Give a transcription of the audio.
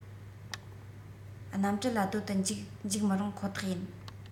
གནམ གྲུ ལ སྡོད དུ འཇུག འཇུག མི རུང ཁོ ཐག ཡིན